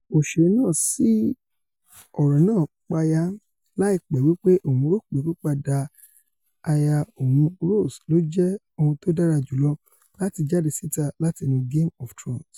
Òṣèré náà sí ọ̀rọ̀ náà payá láìpẹ́ wí pé òun ńròpé pípàdé aya òun Rose lójẹ́ ohun tòdára jùlọ láti jáde síta láti inú Game of Thrones.